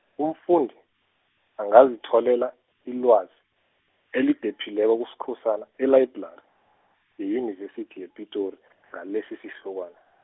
umfundi, angazitholela ilwazi, elidephileko kuSkhosana elayibrari, yeyunivesithi yePitori ngalesisihlokwana.